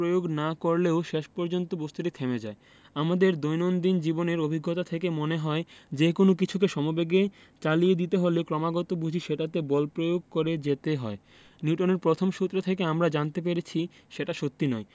প্রয়োগ না করলেও শেষ পর্যন্ত বস্তুটা থেমে যায় আমাদের দৈনন্দিন জীবনের অভিজ্ঞতা থেকে মনে হয় যেকোনো কিছুকে সমবেগে চালিয়ে নিতে হলে ক্রমাগত বুঝি সেটাতে বল প্রয়োগ করে যেতে হয় নিউটনের প্রথম সূত্র থেকে আমরা জানতে পেরেছি সেটা সত্যি নয়